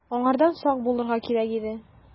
Аңардан сак булырга кирәк иде.